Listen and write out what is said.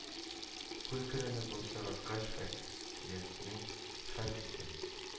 Кул керенә былчыраткач "Һәфтияк"нең һәр битен